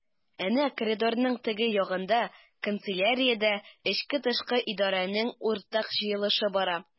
Әнә коридорның теге ягында— канцеляриядә эчке-тышкы идарәнең уртак җыелышы бара.